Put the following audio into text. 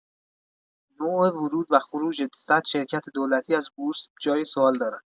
نوع ورود و خروج ۱۰۰ شرکت دولتی از بورس جای سوال دارد.